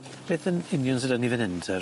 Beth yn union sy' 'dy ni fyn 'yn te...